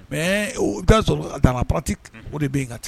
Mais o bi taa sɔrɔ dans la pratique o de bɛ yen ka tigɛ